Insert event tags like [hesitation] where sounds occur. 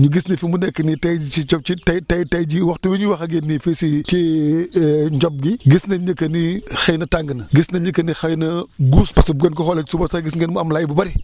ñu gis ni fi mu nekk nii tey ci Ndiob tey tey tey jii waxtu bi ñuy wax ak yéen fii si ci [hesitation] Ndiob gi gis nañ ni que :frani xëy natàng na gis nañ ni que ni xëy na guus parce que bu ngeen ko xoolee si suba sax gis ngeen mu am lay bu bëri